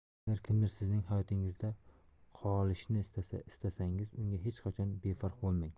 agar kimdir sizning hayotingizda qolishini istasangiz unga hech qachon befarq bo'lmang